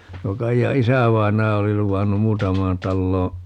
tuo Kaijan isävainaja oli luvannut muutamaan taloon